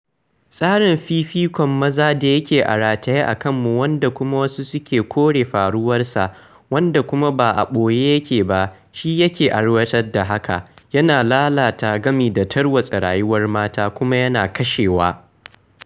Tsarin fifikon maza da yake a rataye a kanmu wanda kuma wasu suke kore faruwarsa - wanda kuma ba a ɓoye yake ba - shi yake aiwatar da haka: yana lalata gami da tarwatsa rayuwar mata kuma yana KASHEWA!